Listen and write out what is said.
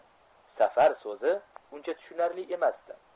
safar so'zi uncha tushunarli emasdi